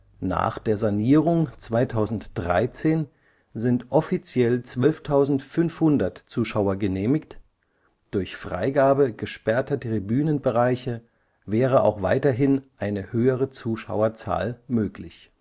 Nach der Sanierung 2013 sind offiziell 12.500 Zuschauer genehmigt, durch Freigabe gesperrter Tribünenbereiche wäre auch weiterhin eine höhere Zuschauerzahl möglich